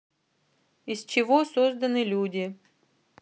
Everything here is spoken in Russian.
из чего созданы люди